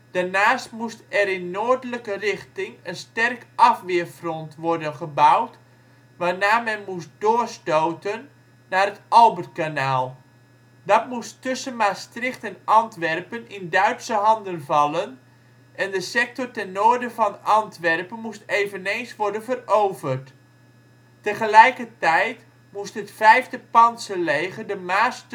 Daarnaast moest er in noordelijke richting een sterk afweerfront worden gebouwd, waarna men moest doorstoten naar het Albertkanaal. Dat moest tussen Maastricht en Antwerpen in Duitse handen vallen, en de sector ten noorden van Antwerpen moest eveneens worden veroverd. Tegelijkertijd moest het 5e pantserleger de Maas